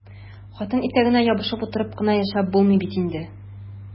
Хатын итәгенә ябышып утырып кына яшәп булмый бит инде!